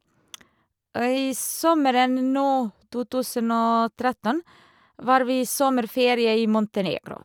I sommeren nå, to tusen og tretten, var vi sommerferie i Montenegro.